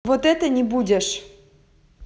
вот это не будешь